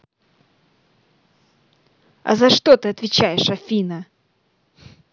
а за что ты отвечаешь афина